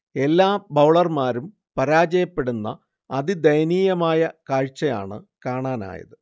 എല്ലാ ബൌളർമാരും പരാജയപ്പെടുന്ന അതിദയനീയമായ കാഴ്ചയാണ് കാണാനായത്